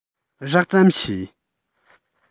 རགས ཙམ ཤེས